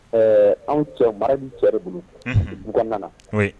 Ɛɛ anw cɛ mara min cɛ de bolo b bu nanaana